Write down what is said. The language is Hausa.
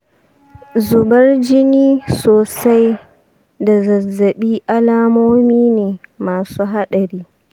zubar jini sosai da zazzaɓi alamomi ne masu haɗari